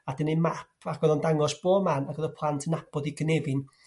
A 'dyn neu' map ac o'dd o'n dangos bob man fath o'dd y plant nabod 'u cynefin.